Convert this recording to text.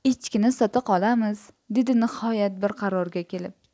echkini sota qolamiz dedi nihoyat bir qarorga kelib